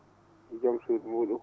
e jom suudu muu?um